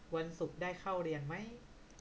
วันศุกร์ได้เข้าเรียนมั้ย